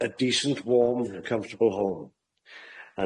a decent warm and comfortable home.